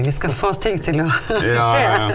vi skal få ting til å skje.